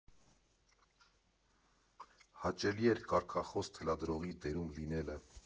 Հաճելի էր կարգախոս թելադրողի դերում լինելը։